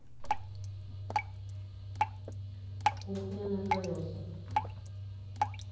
кухня на колесах